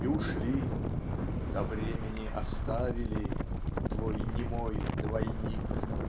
И ушли, до времени оставили Твой немой двойник.